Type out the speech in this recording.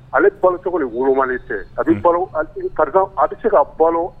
Ale balo tɔgɔ ni woloma tɛ a bɛ balo karisa a bɛ se ka balo